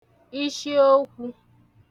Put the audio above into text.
ishiokwū